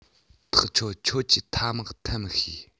ཐག ཆོད ཁྱོད ཀྱིས ཐ མག འཐེན མི ཤེས